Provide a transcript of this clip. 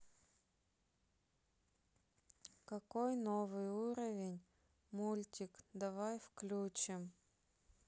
какой новый уровень мультик давай включим